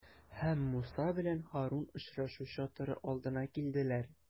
Һәм Муса белән Һарун очрашу чатыры алдына килделәр.